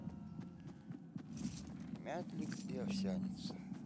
мятлик и овсянница